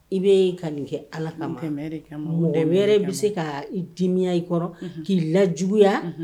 I bɛ ka nin kɛ ala ka mɛ wɛrɛ bɛ se ka dimiya i kɔrɔ k'i la juguyaya